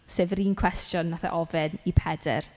Sef yr un cwestiwn wnaeth e ofyn i Pedr.